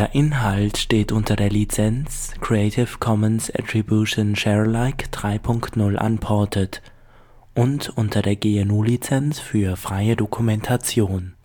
Inhalt steht unter der Lizenz Creative Commons Attribution Share Alike 3 Punkt 0 Unported und unter der GNU Lizenz für freie Dokumentation